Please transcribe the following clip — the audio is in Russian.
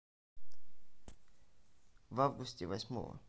в августе восьмого